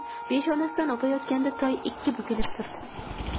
onam peshonasidan o'payotganda toy ikki bukilib turdi